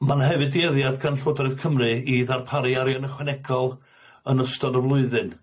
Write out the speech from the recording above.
Ma' 'na hefyd dueddiad gan Llywodraeth Cymru i ddarparu arian ychwanegol yn ystod y flwyddyn.